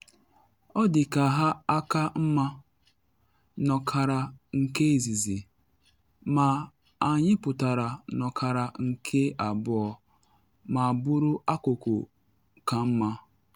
Ọ dị ka ha aka mma n’ọkara nke izizi, ma anyị pụtara n’ọkara nke abụọ ma bụrụ akụkụ ka mma.